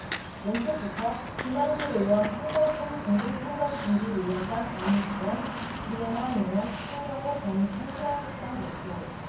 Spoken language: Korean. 왼쪽부터 김한길 의원 한상진 공동창당준비위원장 안 의원 김영환 의원 송영오 전 창조한국당 대표